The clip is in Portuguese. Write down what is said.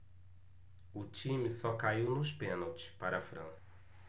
o time só caiu nos pênaltis para a frança